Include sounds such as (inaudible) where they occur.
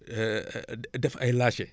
(hesitation) de def ay laché